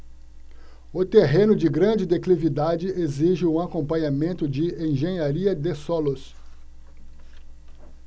o terreno de grande declividade exige um acompanhamento de engenharia de solos